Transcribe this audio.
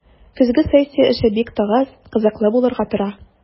Көзге сессия эше бик тыгыз, кызыклы булырга тора.